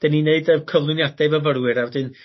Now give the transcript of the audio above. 'dyn ni'n neud y cyflwyniadau i fyfyrwyr a wedyn